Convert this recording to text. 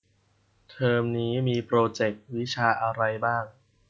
เทอมนี้มีโปรเจควิชาอะไรบ้าง